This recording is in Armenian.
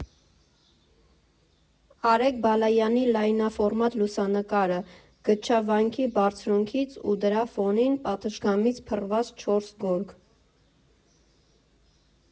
Արեգ Բալայանի լայնաֆորմատ լուսանկարը՝ Գտչավանքի բարձունքից, ու դրա ֆոնին պատշգամբից փռված չորս գորգ…